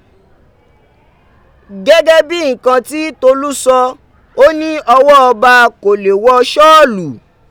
Gẹ́gẹ́ bii ǹkan ti Tolú sọ, ó ni ọwọ́ Ọba kò le wọ sọ̀ọ̀lọ̀.